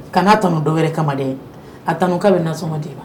Kana tano dɔw wɛrɛ kama dɛ, a tano k'a bɛ nasɔngɔn di.